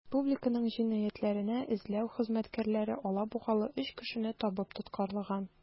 Республиканың җинаятьләрне эзләү хезмәткәрләре алабугалы 3 кешене табып тоткарлаган.